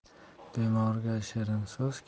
bemorga shirin so'z